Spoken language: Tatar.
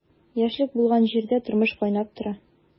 Яшьлек булган җирдә тормыш кайнап тора.